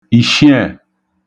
ìshiẹ̀